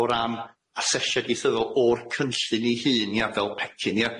O ran asesiad ieithyddol o'r cynllun i hŷn ia? Fel pecyn ia?